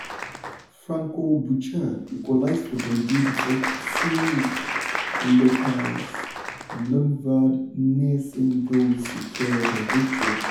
Francois Bouchard equalized for Dundee before two Lukas Lundvald Nielsen goals secured their victory.